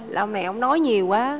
là ông này ông nói nhiều quá